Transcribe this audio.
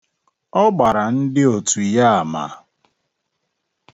Ọ gbàrà ndị òtù ya àmà.